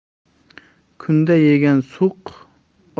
kunda yegan suq